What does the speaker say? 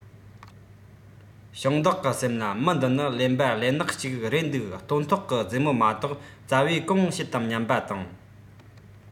ཞིང བདག གི སེམས ལ མི འདི ནི གླེན པ གླེན ནག ཅིག རེད འདུག སྟོན ཐོག གི ཙེ མོ མ གཏོགས ཙ བས གང བྱེད དམ སྙམ པ དང